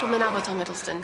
Dwi'm yn nabod Tom Hiddleston.